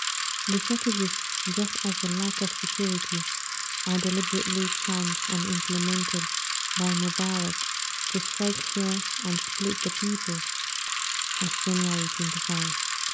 the shortages just as the lack of security are deliberately planned and implemented by mubarak to strike fear and split the people #Jan25